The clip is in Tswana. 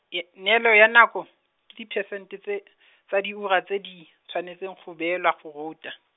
e- neelo ya nako, ke diphesente tse , tsa diura tse di, tshwanetseng go beelwa go ruta.